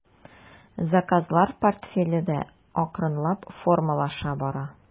Заказлар портфеле дә акрынлап формалаша бара.